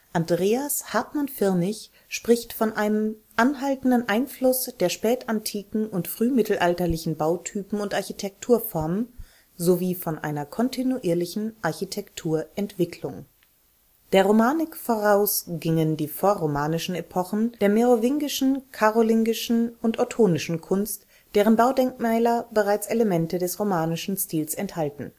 Andreas Hartmann-Virnich spricht von einem „ anhaltenden Einfluss der spätantiken und frühmittelalterlichen Bautypen und Architekturformen “sowie von einer kontinuierlichen Architekturentwicklung. Der Romanik voraus gingen die vorromanischen Epochen der merowingischen, karolingischen und ottonischen Kunst, deren Baudenkmäler bereits Elemente des romanischen Stils enthalten